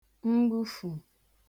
mgbufù